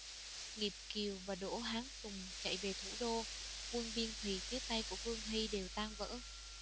nghiệp kiều và đỗ hán sùng chạy về thủ đô quân biên thùy phía tây của vương hy đều tan vỡ